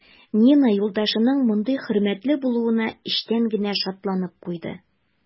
Нина юлдашының мондый хөрмәтле булуына эчтән генә шатланып куйды.